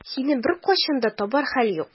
Сине беркайчан да табар хәл юк.